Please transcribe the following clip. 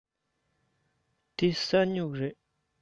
འདི ས སྨྱུག རེད